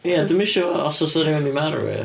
Ie, dwi ddim isio fo os oes 'na rhywun 'di marw ie.